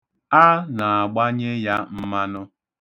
A na-agbanye ya mmanụ.